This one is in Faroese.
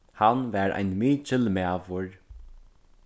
hann var ein mikil maður